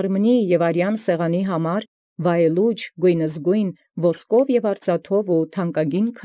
Որոյ սպասս վայելուչս, գունագոյնս, պայծառատեսիլս, ոսկւով և արծաթով և ակամբք